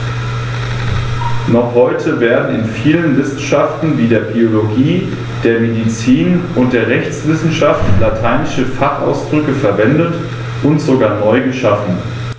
Noch heute werden in vielen Wissenschaften wie der Biologie, der Medizin und der Rechtswissenschaft lateinische Fachausdrücke verwendet und sogar neu geschaffen.